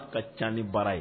Ka ca ni baara ye